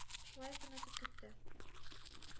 Шулай көн үтеп китте.